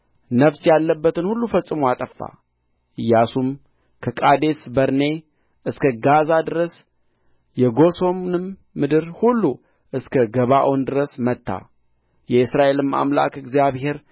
ነፍስ ያለበትን ሁሉ ፈጽሞ አጠፋ ኢያሱም ከቃዴስ በርኔ እስከ ጋዛ ድረስ የጎሶምንም ምድር ሁሉ እስከ ገባዖን ድረስ መታ የእስራኤልም አምላክ እግዚአብሔር